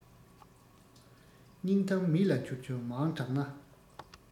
སྙིང གཏམ མི ལ འཆོལ འཆོལ མང དྲགས ན